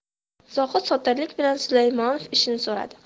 zohid soddalik bilan sulaymonov ishini so'radi